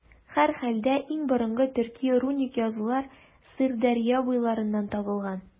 Һәрхәлдә, иң борынгы төрки руник язулар Сырдәрья буйларыннан табылган.